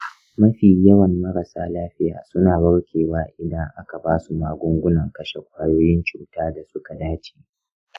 mafi yawan marasa lafiya suna warkewa idan aka ba su magungunan kashe ƙwayoyin cuta da suka dace.